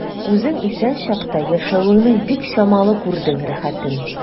Үзең исән чакта яшәвеңнең бик чамалы күрдең рәхәтен.